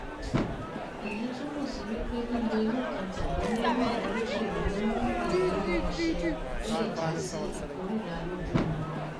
Ìyẹn túmọ̀ sí wípé lílo inú kan tàbí mímú àwọn olóṣèlúu mú ìléríi wọn ṣe lè já sí ìkórìíra lójúu wọn.